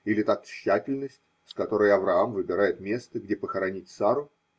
Или та тщательность, с которой Авраам выбирает место, где похоронить Сарру?